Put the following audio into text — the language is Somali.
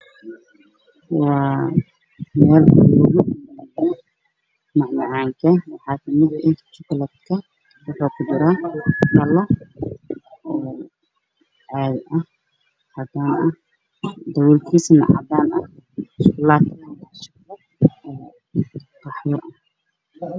Waa meel isbarmaarke waxaa ii muuqda caadado midabkoodu yahay caddaan madow oo ku jirto shukuraato